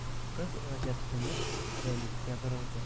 Кыз, гаҗәпсенеп, Рәнискә борылды.